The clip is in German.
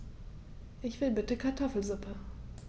Ich will bitte Kartoffelsuppe.